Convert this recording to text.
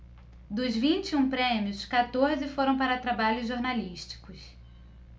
dos vinte e um prêmios quatorze foram para trabalhos jornalísticos